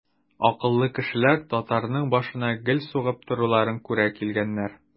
Акыллы кешеләр татарның башына гел сугып торуларын күрә килгәннәр.